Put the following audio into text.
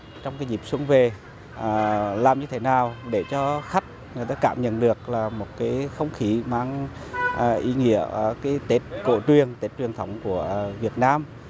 trong cái dịp xuân về làm như thế nào để cho khách người ta cảm nhận được là một cái không khí mang ý nghĩa ở cái tết cổ truyền tết truyền thống của việt nam